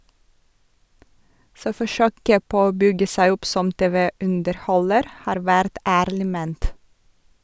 Så forsøket på å bygge seg opp som TV-underholder har vært ærlig ment.